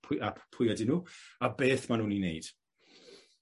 Pwy a p- pwy ydyn nw, a beth ma' nw'n 'u wneud.